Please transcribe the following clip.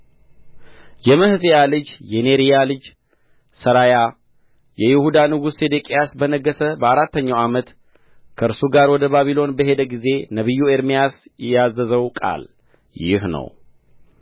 የመሕሤያ ልጅ የኔርያ ልጅ ሠራያ የይሁዳ ንጉሥ ሴዴቅያስ በነገሠ በአራተኛው ዓመት ከእርሱ ጋር ወደ ባቢሎን በሄደ ጊዜ ነቢዩ ኤርምያስ ያዘዘው ቃል ይህ ነው